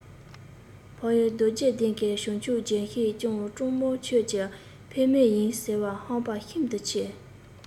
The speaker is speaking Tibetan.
འཕགས ཡུལ རྡོ རྗེ གདན གྱི བྱང ཆུབ ལྗོན ཤིང བཅས སྤྲང མོ ཁྱོད ཀྱི ཕ མེས ཡིན ཟེར བ ཧམ པ ཤིན ཏུ ཆེ